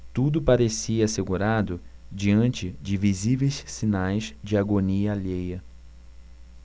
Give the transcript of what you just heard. tudo parecia assegurado diante de visíveis sinais de agonia alheia